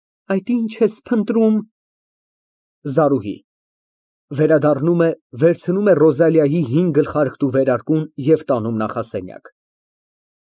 Այդ ի՞նչ ես փնտրում։ ԶԱՐՈՒՀԻ ֊ (Վերադառնում է, վերցնում է Ռոզալիայի հին գլխարկն ու վերարկուն և տանում նախասենյակ)։